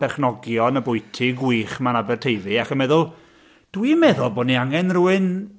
perchnogion y bwyty gwych 'ma'n Aberteifi, ac yn meddwl "dwi'n meddwl bo' ni angen rhywun..."